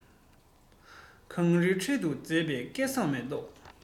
གངས རིའི ཁྲོད དུ མཛེས པའི སྐལ བཟང མེ ཏོག